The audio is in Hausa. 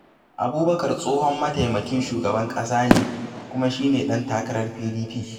Abubakar tsohon mataimakin shugaban ƙasa ne kuma shi ne ɗan takarar PDP.